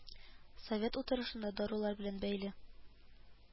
Совет утырышында дарулар белән бәйле